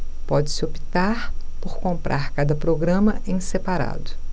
pode-se optar por comprar cada programa em separado